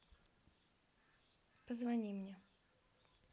позвони мне